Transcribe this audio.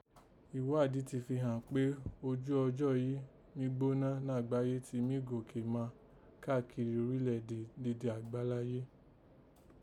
Ìghádìí tí fi hàn pé ojú ọjọ́ yìí mí gbóná nàgbáyé ti mí gòkè má káàkiri orílẹ̀ èdè dede ágbáláyé